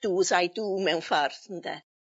do ad I do mewn fforth ynde?